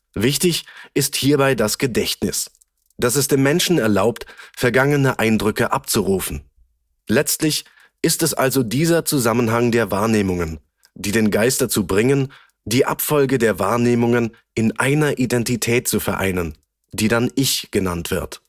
Wichtig ist hierbei das Gedächtnis, das es dem Menschen erlaubt, vergangene Eindrücke abzurufen. Letztlich ist es also dieser Zusammenhang der Wahrnehmungen, die den Geist dazu bringen, die Abfolge der Wahrnehmungen in einer Identität zu vereinen, die dann „ Ich “genannt wird